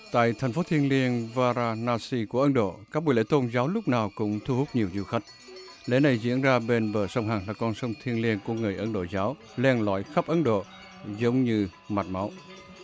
tại thành phố thiêng liêng va ra la si của ấn độ các buổi lễ tôn giáo lúc nào cũng thu hút nhiều du khách lễ này diễn ra bên bờ sông hằng con sông thiêng liêng của người ấn độ giáo len lỏi khắp ấn độ giống như mạch máu